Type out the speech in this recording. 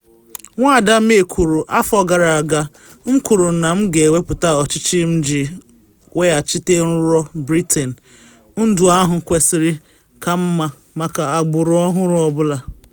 Nwada May kwuru: “Afọ gara aga m kwuru m ga-ewepụta ọchịchị m iji weghachite nrọ Britain - ndụ ahụ kwesịrị ka mma maka agbụrụ ọhụrụ ọ bụla.